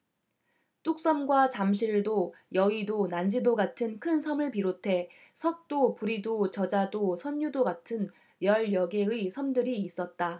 뚝섬과 잠실도 여의도 난지도 같은 큰 섬을 비롯해 석도 부리도 저자도 선유도 같은 열 여개의 섬들이 있었다